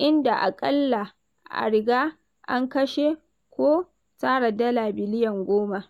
inda aƙalla a riga an kashe ko tara dala biliyan 10.